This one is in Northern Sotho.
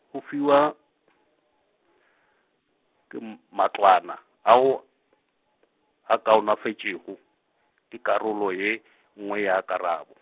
go fiwa , ke m- matlwana ao , a kaonafetšego, ke karolo ye nngwe ya karabo.